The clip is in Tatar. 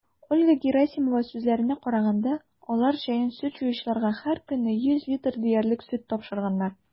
Ольга Герасимова сүзләренә караганда, алар җәен сөт җыючыларга һәркөнне 100 литр диярлек сөт тапшырганнар.